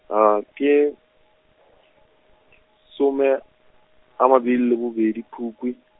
ke , some, a mabedi le bobedi Phukwi.